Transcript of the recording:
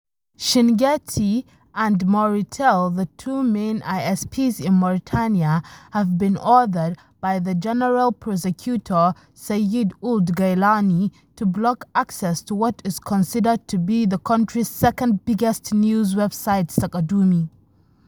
Chinguitel and Mauritel, the two main ISP's in Mauritania have been ordered by the General Persecutor, Seyid Ould Ghaïlani, to block access to what is considered to be the country's second biggest news website, Taqadoumy.